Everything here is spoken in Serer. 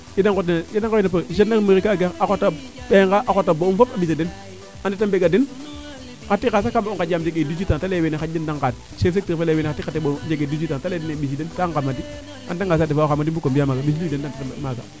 yee de ngooy na police gendarmerie kaa gar a xot o ɓeenga a xota ba'um fop a mbisa den a ndeta mbega den xa tiqa xaa sax ka bug u mbisa den te xa'a xaƴi den wene njege 18 ans chef secteur a leeye wene xaƴi den njege 18 ans te leyadene mbisiden kaa ngamadi a ndeta nga saate fa yo o xamadi mboko mbiya maag mbiliwu den de ndeta mbe maaga